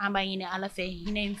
An b'a ɲini ala fɛ hinɛ